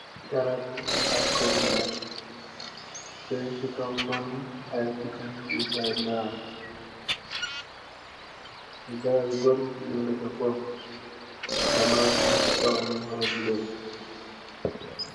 Garabi ay koni len teh si kaw koni ay pecha nyun fa naw l fi garab yu bori nyo neka fofu asaman bang si kawam mu hawa bulo.